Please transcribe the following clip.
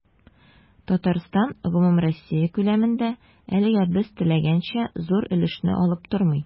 Татарстан гомумроссия күләмендә, әлегә без теләгәнчә, зур өлешне алып тормый.